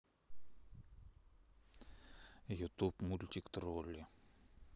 ютуб мультик тролли